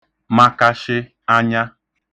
makashị anya